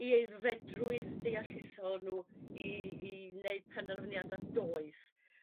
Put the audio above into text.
'u aeddfedrwydd deallusol nhw i i wneud penderfyniadau doeth.